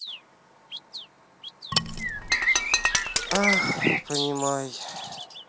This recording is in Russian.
а понимай